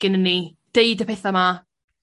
gennyn ni deud y petha 'ma